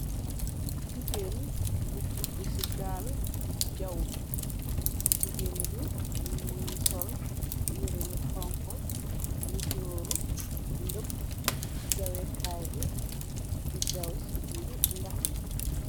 Jigéen yi dugg ci gaal di jaw. Jigéen gi mëngi sol yirinu xonko musooru ngëp jawekaay bi di jaw ci biiru ndax mi.